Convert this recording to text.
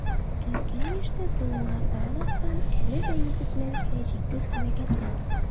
Өлкән яшьтә булуына карамастан, әле дә егетләрчә җитез хәрәкәтле ул.